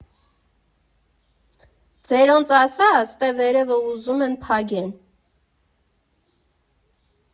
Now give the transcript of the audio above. ֊ Ձերոնց ասա՝ ստե վերևը ուզում են փագեն։